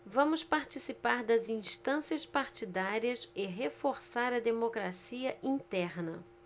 vamos participar das instâncias partidárias e reforçar a democracia interna